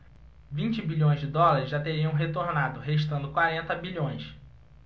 vinte bilhões de dólares já teriam retornado restando quarenta bilhões